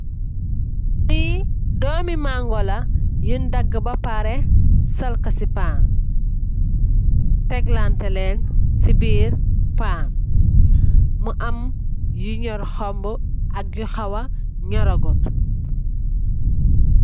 Lii doomi mañgo la, buñg daggë ba paré, sol ko si paan, teklaante léén si biir paan. Mu am yu ñor com, mu am yu ñoora gut.